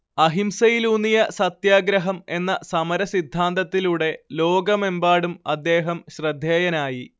അഹിംസയിലൂന്നിയ സത്യാഗ്രഹമെന്ന സമര സിദ്ധാന്തത്തിലൂടെ ലോകമെമ്പാടും അദ്ദേഹം ശ്രദ്ധേയനായി